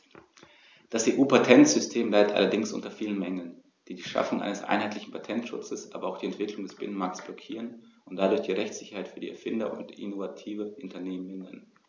Das EU-Patentsystem leidet allerdings unter vielen Mängeln, die die Schaffung eines einheitlichen Patentschutzes, aber auch die Entwicklung des Binnenmarktes blockieren und dadurch die Rechtssicherheit für Erfinder und innovative Unternehmen mindern.